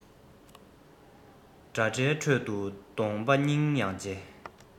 འདྲ འདྲའི ཁྲོད དུ སྡོད པ སྙིང ཡང རྗེ